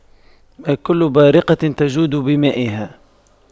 ما كل بارقة تجود بمائها